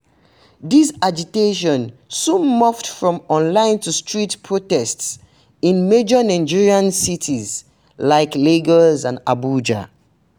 This agitation soon morphed from online to street protests in major Nigerian cities like Lagos and Abuja.